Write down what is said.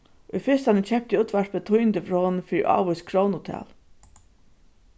í fyrstani keypti útvarpið tíðindi frá honum fyri ávíst krónutal